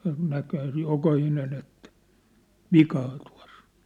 - näkihän sen jokainen että vikaa tuossa - on